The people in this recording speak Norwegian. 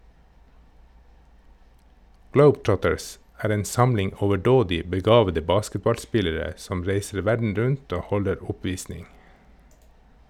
Globetrotters er en samling overdådig begavede basketballspillere som reiser verden rundt og holder oppvisning.